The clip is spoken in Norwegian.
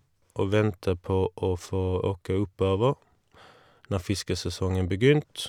Og ventet på å få åke oppover når fiskesesongen begynt.